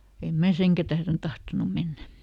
en minä senkään tähden tahtonut mennä